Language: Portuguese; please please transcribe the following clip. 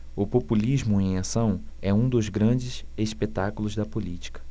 o populismo em ação é um dos grandes espetáculos da política